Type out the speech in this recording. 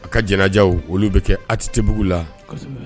A ka janajaw olu bɛ kɛ A T T bugu la.kɔsɛbɛ